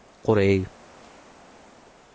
qur ey